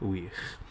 Wych.